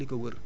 ok